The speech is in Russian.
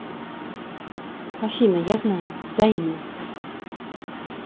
афина я знаю взаимно